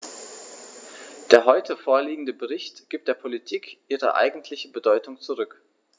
Der heute vorliegende Bericht gibt der Politik ihre eigentliche Bedeutung zurück.